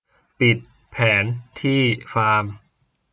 ปิดแผนที่ฟาร์ม